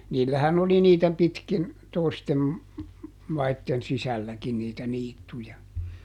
niillähän oli niitä pitkin toisten maiden sisälläkin niitä niittyjä